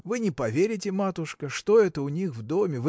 Вы не поверите, матушка, что это у них в доме